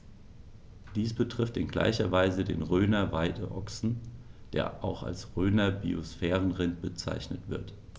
Dies betrifft in gleicher Weise den Rhöner Weideochsen, der auch als Rhöner Biosphärenrind bezeichnet wird.